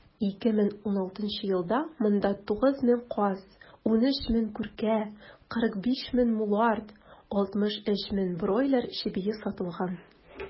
2016 елда монда 8 мең каз, 13 мең күркә, 45 мең мулард, 63 мең бройлер чебие сатылган.